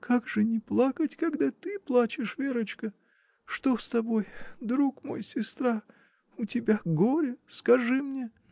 — Как же не плакать, когда ты плачешь, Верочка! Что с тобой? друг мой, сестра! У тебя горе: скажи мне.